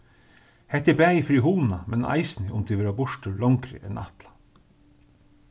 hetta er bæði fyri hugna men eisini um tit vera burtur longri enn ætlað